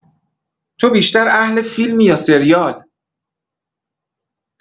تو بیشتر اهل فیلمی یا سریال؟